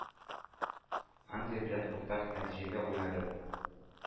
Англия белән уртак нәтиҗәгә уйнады.